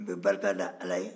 n bɛ barika da ala ye